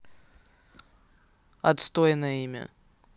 отстойное имя